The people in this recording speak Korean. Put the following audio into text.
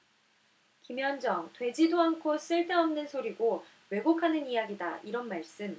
김현정 되지도 않고 쓸데없는 소리고 왜곡하는 이야기다 이런 말씀